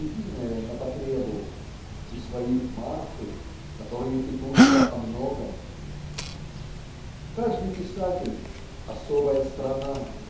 единое на потребу, и свои Марфы, которые пекутся о многом. Каждый писатель особая страна